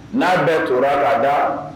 N'a bɛ tora laadada